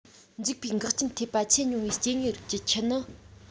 འཇིག པའི གེགས རྐྱེན ཐེབས པ ཆེས ཉུང བའི སྐྱེ དངོས རིགས ཀྱི ཁྱུ ནི